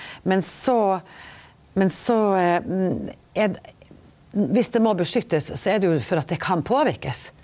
men så men så er viss det må beskyttast så er det jo for at det kan påverkast.